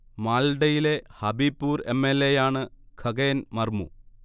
മാൽഡയിലെ Habibpur M. L. A. യാണ് ഖഗേൻ മർമു